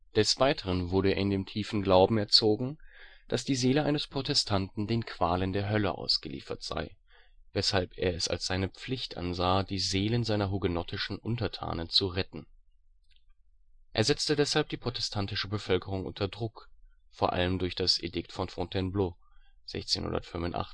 Des Weiteren wurde er in dem tiefen Glauben erzogen, dass die Seele eines Protestanten den Qualen der Hölle ausgeliefert sei, weshalb er es als seine Pflicht ansah, die Seelen seiner hugenottischen Untertanen zu retten. Er setzte deshalb die protestantische Bevölkerung unter Druck, vor allem durch das Edikt von Fontainebleau (1685